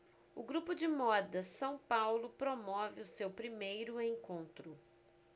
o grupo de moda são paulo promove o seu primeiro encontro